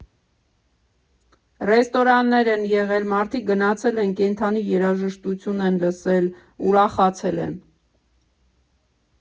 Ռեստորաններ են եղել, մարդիկ գնացել են կենդանի երաժշտություն են լսել, ուրախացել են։